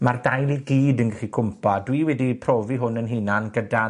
ma'r dail i gyd yn gallu cwmpo. A dwi wedi profi hwn 'yn hunan gyda'r